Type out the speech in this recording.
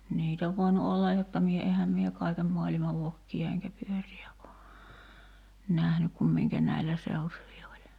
niitä on voinut olla jotta minä enhän minä kaiken maailman vokkeja enkä pyöriä ole nähnyt kuin minkä näillä seutuvin oli